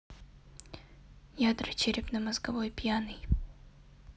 ядра черепно мозговой пьяный